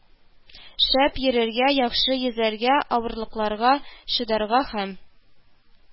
Шәп йөрергә, яхшы йөзәргә, авырлыкларга чыдарга һәм